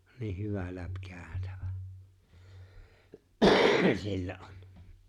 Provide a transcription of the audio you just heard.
niin hyvä läpikäytävä sillä on